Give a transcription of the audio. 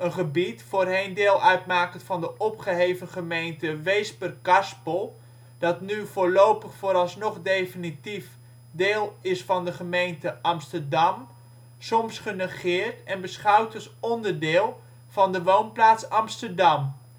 gebied, voorheen deel uitmakend van de opgeheven gemeente Weesperkarspel, dat nu " voorlopig vooralsnog definitief " deel is van gemeente Amsterdam) soms genegeerd en beschouwd als onderdeel van de woonplaats Amsterdam